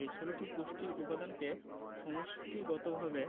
এ ১৬টি পুষ্টি উপাদানকে সমষ্টিগতভাবে